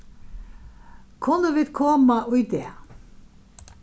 kunnu vit koma í dag